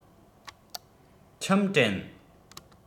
ཁྱིམ དྲན